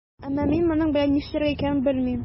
Әмма мин моның белән нишләргә икәнен белмим.